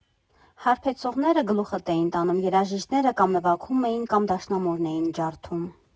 Հարբեցողները գլուխդ էին տանում, երաժիշտները կամ նվագում էին, կամ դաշնամուրն էին ջարդում։